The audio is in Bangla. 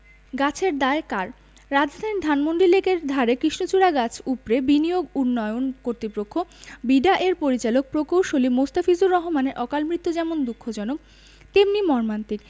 গাছের দায় কার রাজধানীর ধানমন্ডি লেকের ধারে কৃষ্ণচূড়া গাছ উপড়ে বিনিয়োগ উন্নয়ন কর্তৃপক্ষ বিডা এর পরিচালক প্রকৌশলী মোস্তাফিজুর রহমানের অকালমৃত্যু যেমন দুঃখজনক তেমনি মর্মান্তিক